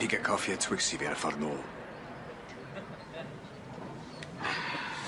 Piga coffi a Twix i fi ar y ffor nôl.